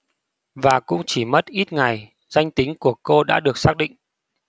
và cũng chỉ mất ít ngày danh tính của cô đã được xác định